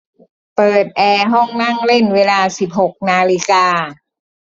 เปิดแอร์ห้องนั่งเล่นเวลาสิบหกนาฬิกา